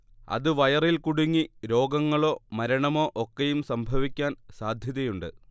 അത് വയറിൽ കുടുങ്ങി രോഗങ്ങളോ മരണമോ ഒക്കെയും സംഭവിക്കാൻ സാധ്യതയുണ്ട്